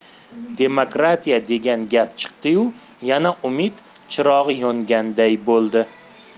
demokratiya degan gap chiqdiyu yana umid chirog'i yonganday bo'ldi